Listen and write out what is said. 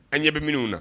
An ɲɛ bɛ minnu na